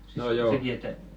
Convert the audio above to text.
no joo